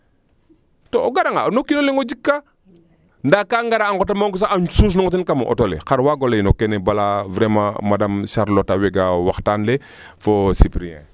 to o gara nga no kiino leŋ o jik kaa nda ka ngara a ngota mangu sax a suuso ngo ten kam o auto le xar waago ley no keene bala vraiment bala madame Charlote a wegaa waxtaan le fo supplier